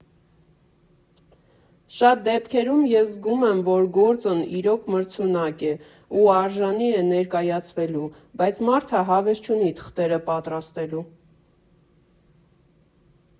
Շատ դեպքերում ես զգում եմ, որ գործն իրոք մրցունակ է ու արժանի է ներկայացվելու, բայց մարդը հավես չունի թղթերը պատրաստելու։